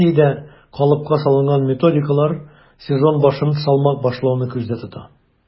Россиядә калыпка салынган методикалар сезон башын салмак башлауны күздә тота: